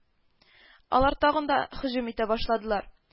Алар тагын да һөҗүм итә башладылар